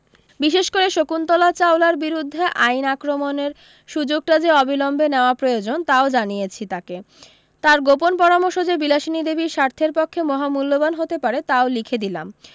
বিশেষ করে শকুন্তলা চাওলার বিরুদ্ধে আইন আক্রমণের সু্যোগটা যে অবিলম্বে নেওয়া প্রয়োজন তাও জানিয়েছি তাঁকে তার গোপন পরামর্শ যে বিলাসিনী দেবীর স্বার্থের পক্ষে মহামূল্যবান হতে পারে তাও লিখে দিলাম